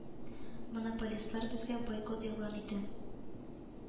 Монополистлар безгә бойкот игълан итә